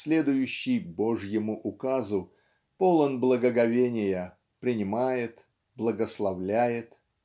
следующий "Божьему указу" полон благоговения принимает благословляет.